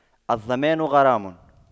الضامن غارم